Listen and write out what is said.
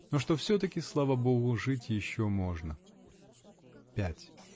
но что все-таки, слава богу, жить еще можно! Пять.